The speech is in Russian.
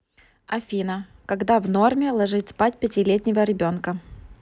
афина когда в норме ложить спать пятилетнего ребенка